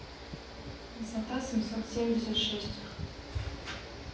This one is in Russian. высота семьсот семьдесят шесть